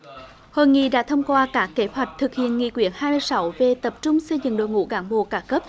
hội nghị đã thông qua các kế hoạch thực hiện nghị quyết hai mươi sáu về tập trung xây dựng đội ngũ cán bộ các cấp